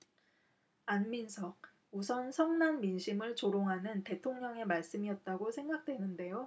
안민석 우선 성난 민심을 조롱하는 대통령의 말씀이었다고 생각 되는데요